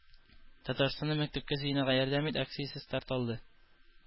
Татарстанда “Мәктәпкә җыенырга ярдәм ит!” акциясе старт алды